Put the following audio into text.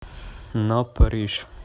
на париж